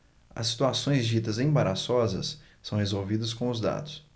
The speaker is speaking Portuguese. as situações ditas embaraçosas são resolvidas com os dados